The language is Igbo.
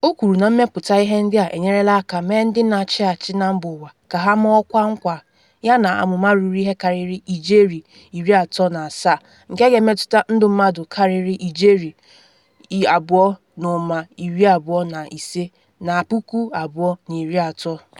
O kwuru na mmepụta ihe ndị a enyerela aka mee ndị na-achị achị na mba ụwa ka ha maa ọkwa nkwa yana amụma ruru ihe karịrị ijeri $37, nke ga-emetụta ndụ mmadụ karịrị ijeri 2.25 na 2030.